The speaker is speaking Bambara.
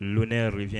Donɛ yɛrɛ fɛ